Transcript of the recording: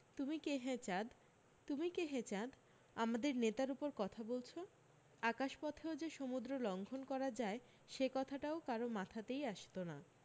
তুমি কে হে চাঁদ তুমি কে হে চাঁদ আমাদের নেতার ওপর কথা বলছ আকাশপথেও যে সমুদ্রলঙ্ঘন করা যায় সে কথাটা কারও মাথাতেই আসত না